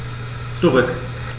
Zurück.